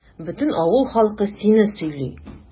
Бөтен авыл халкы сине сөйли.